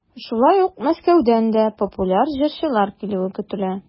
Шулай ук Мәскәүдән дә популяр җырчылар килүе көтелә.